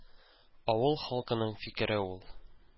Авыл халкының фикере ул.